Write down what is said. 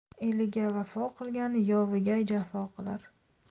eliga vafo qilgan yoviga jafo qilar